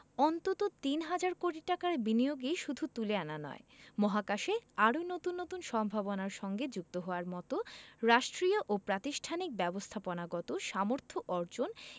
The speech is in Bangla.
অন্তত তিন হাজার কোটি টাকার বিনিয়োগই শুধু তুলে আনা নয় মহাকাশে আরও নতুন নতুন সম্ভাবনার সঙ্গে যুক্ত হওয়ার মতো রাষ্ট্রীয় ও প্রাতিষ্ঠানিক ব্যবস্থাপনাগত সামর্থ্য অর্জন